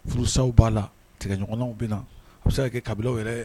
Furusaw b'a la tigɛɲɔgɔnw bɛna na a bɛ se ka kɛ kabila yɛrɛ